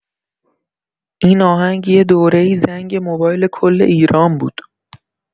این آهنگ یه دوره‌ای زنگ موبایل کل ایران بود!